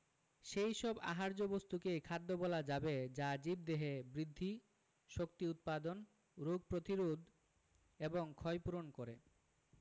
সেই সব আহার্য বস্তুকেই খাদ্য বলা যাবে যা জীবদেহে বৃদ্ধি শক্তি উৎপাদন রোগ প্রতিরোধ এবং ক্ষয়পূরণ করে